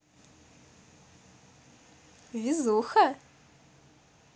везуха